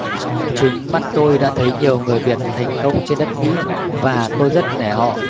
chính mắt tôi đã thấy nhiều người việt thành công trên đất mỹ và tôi rất nể họ